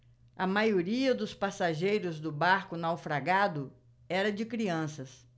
a maioria dos passageiros do barco naufragado era de crianças